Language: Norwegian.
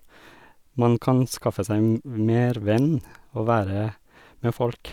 Man kan skaffe seg m mer venn å være med folk.